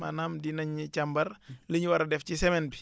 maanaam dinañu càmbar li ñu war a def ci semaine bi